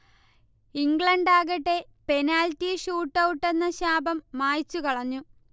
ഇംഗ്ലണ്ടാകട്ടെ penalty ഷൂട്ടൗട്ടെന്ന ശാപം മായ്ച്ചു കളഞ്ഞു